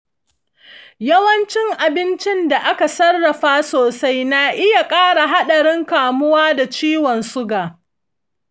yawan cin abincin da aka sarrafa sosai na iya ƙara haɗarin kamuwa da ciwon suga.